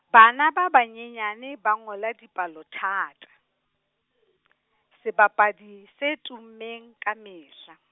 bana ba ba nyenyane ba ngola dipalo thata , sebapadi se tummeng kamehla.